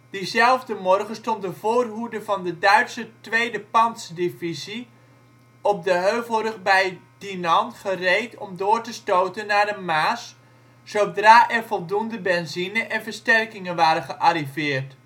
Diezelfde morgen stond de voorhoede van de Duitse 2e pantserdivisie op de heuvelrug bij Dinant gereed om door te stoten naar de Maas, zodra er voldoende benzine en versterkingen waren gearriveerd